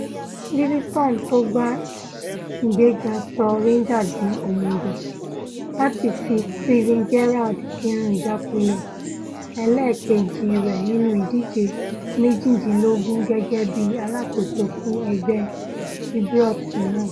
Livingston tó gba ìgbéga sọ Ranger di òmùgọ̀ láti fi Steven Gerrard sínù ìjákulẹ̀ ẹlẹ́ẹ̀keji rẹ nínú ìdíje méjìdínlógún gẹ́gẹ́ bí alákosó fún ẹgbẹ́ Ibrox náà.